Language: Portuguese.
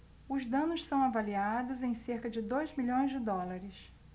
os danos são avaliados em cerca de dois milhões de dólares